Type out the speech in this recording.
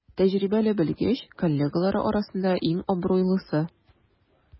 Тәҗрибәле белгеч коллегалары арасында иң абруйлысы.